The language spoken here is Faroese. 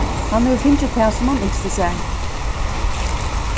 hann hevur fingið tað sum hann ynskti sær